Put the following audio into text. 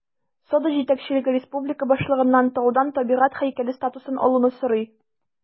Сода җитәкчелеге республика башлыгыннан таудан табигать һәйкәле статусын алуны сорый.